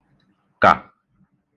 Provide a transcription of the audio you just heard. kà